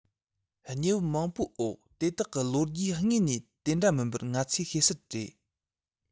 གནས བབ མང པོའི འོག དེ དག གི ལོ རྒྱུས དངོས གནས དེ འདྲ མིན པ ང ཚོས ཤེས གསལ རེད